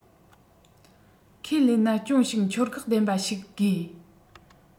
ཁས ལེན ན ཅུང ཞིག མཆོར ཉམས ལྡན པ ཞིག དགོས